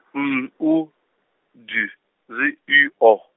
M U, D, Z I O.